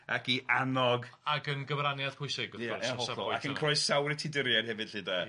ac i annog. Ag yn gyfraniad pwysig wrth gwrs ia hollol ac yn croesawu'r Tuduried hefyd lly de... Ia ia.